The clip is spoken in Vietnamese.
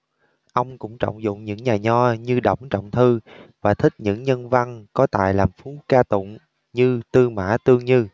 ông cũng trọng dụng những nhà nho như đổng trọng thư và thích những nhân văn có tài làm phú ca tụng như tư mã tương như